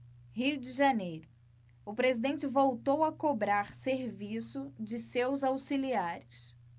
rio de janeiro o presidente voltou a cobrar serviço de seus auxiliares